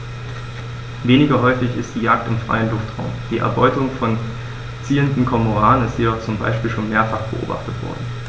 Weniger häufig ist die Jagd im freien Luftraum; die Erbeutung von ziehenden Kormoranen ist jedoch zum Beispiel schon mehrfach beobachtet worden.